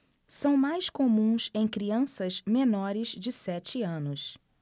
são mais comuns em crianças menores de sete anos